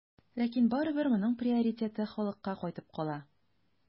Ләкин барыбер моның приоритеты халыкка кайтып кала.